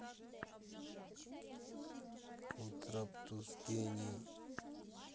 контраптус гений